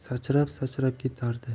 sachrab sachrab ketardi